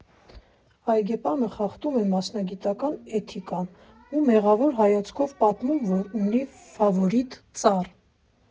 Այգեպանը խախտում է մասնագիտական էթիկան ու մեղավոր հայացքով պատմում, որ ունի ֆավորիտ ծառ.